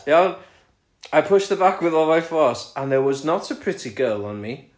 Iawn "I pushed her back with all my force and there was not a pretty girl on me"